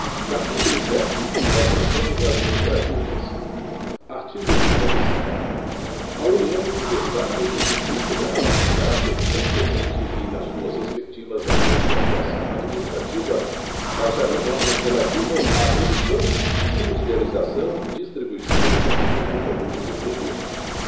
capítulo sete das sanções administrativas artigo cinquenta e cinco a união os estados e o distrito federal em caráter concorrente e nas suas respectivas áreas de atuação administrativa baixarão normas relativas à produção industrialização distribuição e consumo de produtos e serviços